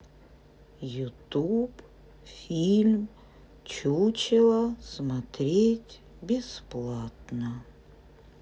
ютуб фильм чучело смотреть бесплатно